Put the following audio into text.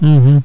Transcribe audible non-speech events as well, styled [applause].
[hesitation] [hesitation]